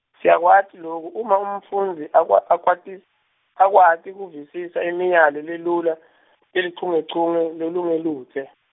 siyakwati loku uma umfundzi akwa-, akwati, akwati kuvisisa imiyalo lelula, leluchungechunge lolungeludze.